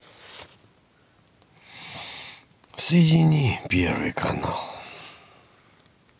соедини первый канал